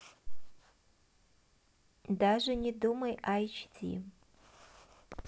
даже не думай айч ди